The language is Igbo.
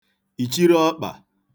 ìchiri ọkpā